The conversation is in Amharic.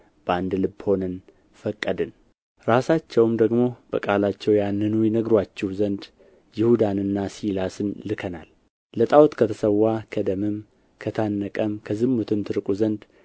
በአንድ ልብ ሆነን ፈቀድን ራሳቸውም ደግሞ በቃላቸው ያንኑ ይነግሩአችሁ ዘንድ ይሁዳንና ሲላስን ልከናል ለጣዖት ከተሠዋ ከደምም ከታነቀም ከዝሙትም ትርቁ ዘንድ